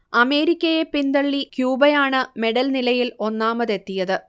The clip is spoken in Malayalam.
അമേരിക്കയെ പിന്തള്ളി ക്യൂബയാണ് മെഡൽനിലയിൽ ഒന്നാമതെത്തിയത്